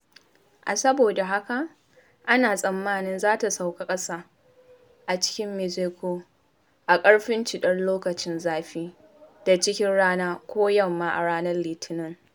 A saboda haka, ana tsammani za ta sauka ƙasa a cikin Mexico a ƙarfin cidar loƙacin zafi da cikin rana ko yamma a ranar Litinin.